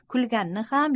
kulganini ham